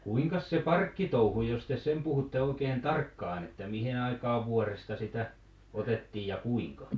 kuinkas se parkkitouhu jos te sen puhutte oikein tarkkaan että mihin aikaan vuodesta sitä otettiin ja kuinka